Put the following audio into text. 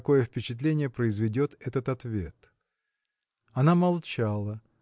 какое впечатление произведет этот ответ. Она молчала